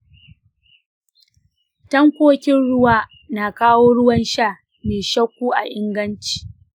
tankokin ruwa na kawo ruwan sha mai shakku a inganci.